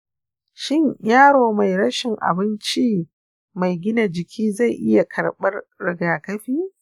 shin yaro mai rashin abinci mai gina jiki zai iya karɓar rigakafi?